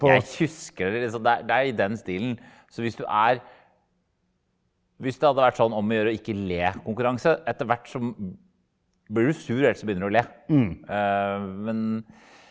jeg husker det liksom det er det er i den stilen så hvis du er hvis det hadde vært sånn om å gjøre å ikke le konkurranse etterhvert så blir du sur eller så begynner du å le men.